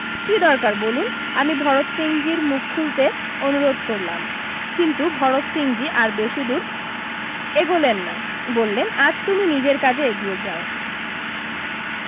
কী দরকার বলুন আমি ভরত সিংজীর মুখ খুলতে অনুরোধ করলাম কিন্তু ভরত সিংজী আর বেশিদূর এগোলেন না বললেন আজ তুমি নিজের কাজে এগিয়ে যাও